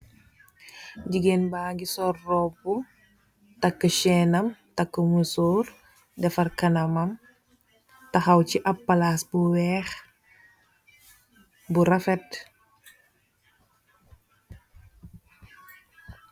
Jigeen bagi sol rubo taka chainam taka musurr defar kanam tahaw si ap palac bu weex bu bu refet.